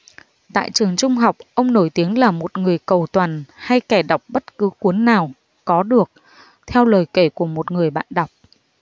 tại trường trung học ông nổi tiếng là một người cầu toàn hay kẻ đọc bất cứ cuốn nào có được theo lời kể của một người bạn học